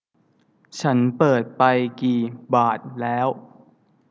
ฉันเปิดไปกี่บาทแล้ว